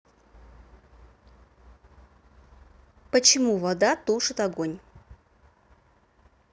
почему вода тушит огонь